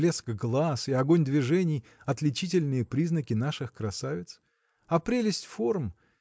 блеск глаз и огонь движений – отличительные признаки наших красавиц? А прелесть форм.